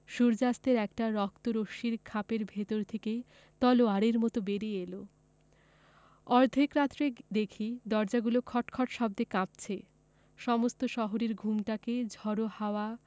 সূর্য্যাস্তের একটা রক্ত রশ্মি খাপের ভেতর থেকে তলোয়ারের মত বেরিয়ে এল অর্ধেক রাত্রে দেখি দরজাগুলো খটখট শব্দে কাঁপছে সমস্ত শহরের ঘুমটাকে ঝড়ের হাওয়া